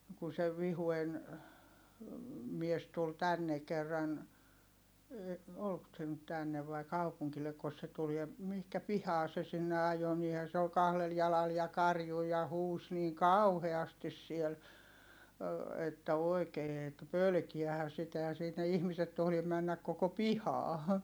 kun se Vihuen mies tuli tänne kerran oliko se nyt tänne vai kaupungilleko se tuli ja mihin pihaan se sinne ajoi niinhän se oli kahdella jalalla ja karjui ja huusi niin kauheasti siellä että oikein että pelkäähän sitä eihän sinne ihmiset tohdi mennä koko pihaan